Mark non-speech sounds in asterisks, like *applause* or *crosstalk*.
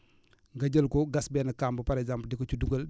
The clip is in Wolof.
*breath* nga jël ko gas benn kàmb par exemple di ko ci dugal